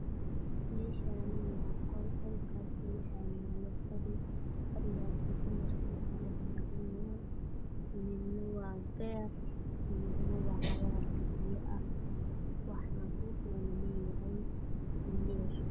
Waa qol fadhiyaalo midabkiisii yihiin qaxwi leer ayaa ka daaran dhulka waa mutuel darbiga waa caddeys